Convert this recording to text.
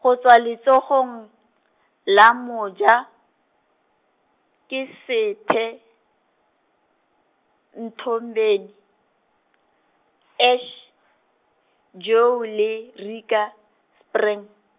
go tswa letsogong, la moja, ke Sethe, Nthombeni, S , Joo le, Rika spring.